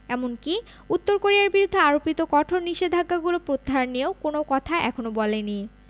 এমনকি উত্তর কোরিয়ার বিরুদ্ধে আরোপিত কঠোর নিষেধাজ্ঞাগুলো প্রত্যাহার নিয়েও কোনো কথা এখনো বলেনি